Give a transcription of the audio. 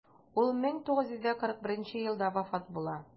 Ул 1941 елда вафат була.